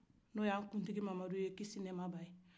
n'o yan kuntigi mamadu ye kisi ni nɛma ba ye